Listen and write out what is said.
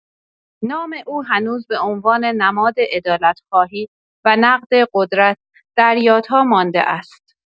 نام او هنوز به‌عنوان نماد عدالت‌خواهی و نقد قدرت در یادها مانده است.